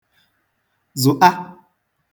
zụṭa